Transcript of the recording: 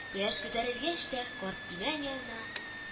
Кояш күтәрелгәч тә, карт имән янына